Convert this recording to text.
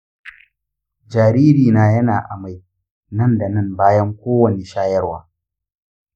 jaririna yana amai nan da nan bayan kowanne shayarwa.